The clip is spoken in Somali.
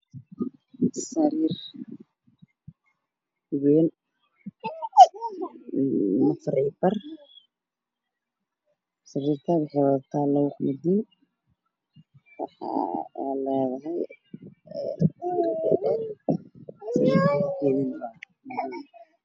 Sariir weyn oo nafar iyo bar ah sariirtaas oo ay wadataa laba kun diin sariirka kalakid waa daan kordhinada ka reerkoodana waa midow qolkaan wuxuu leeyahay rock